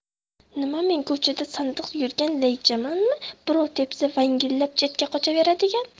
nima men ko'chada sanqib yurgan laychamanmi birov tepsa vangillab chetga qochaveradigan